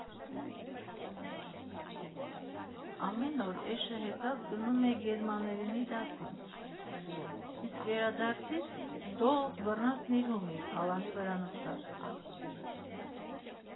Ամեն օր էշը հեծած գնում էի գերմաներենի դասի, իսկ վերադարձիս դողս բռնած նիրհում էի՝ փալանի վրա նստած»։